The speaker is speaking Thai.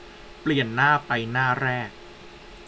เปลี่ยนหน้าไปหน้าแรก